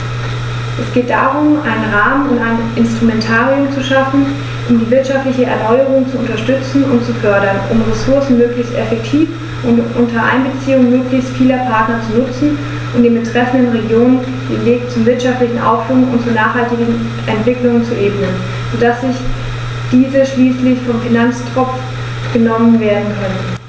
Es geht darum, einen Rahmen und ein Instrumentarium zu schaffen, um die wirtschaftliche Erneuerung zu unterstützen und zu fördern, um die Ressourcen möglichst effektiv und unter Einbeziehung möglichst vieler Partner zu nutzen und den betreffenden Regionen den Weg zum wirtschaftlichen Aufschwung und zur nachhaltigen Entwicklung zu ebnen, so dass diese schließlich vom Finanztropf genommen werden können.